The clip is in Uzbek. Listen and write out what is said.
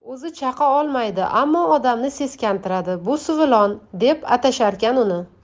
o'zi chaqa olmaydi ammo odamni seskantiradi bu suvilon deb atasharkan uni